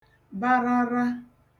barara